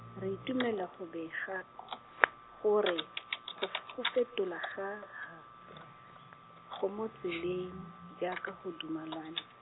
re itumelela go bega , gore, g- go fetolwa ga H R, go mo tseleng, jaaka go dumalanwe.